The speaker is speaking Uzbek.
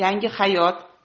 yangi hayot